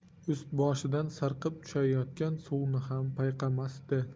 ust boshidan sirqib tushayotgan suvni ham payqamasdi